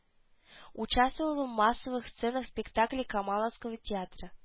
Участвовала в массовых сценах спектаклей камаловского театра